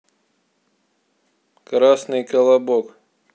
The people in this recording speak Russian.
красный колобок